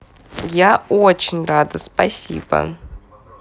я очень рада спасибо